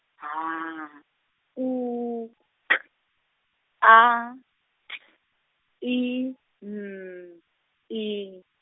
H U K A T I N I.